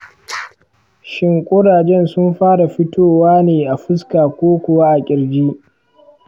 shin kurajen sun fara fitowa ne a fuska ko kuwa a kirji ?